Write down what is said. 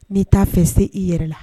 N'i t'a fɛ se i yɛrɛ la